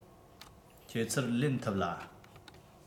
ཁྱེད ཚོར ལེན ཐུབ ལ